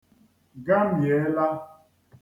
gamìèla